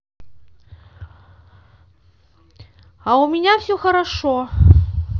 а у меня все хорошо